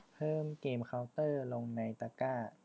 เพิ่มเกมเค้าเตอร์ลงในตะกร้า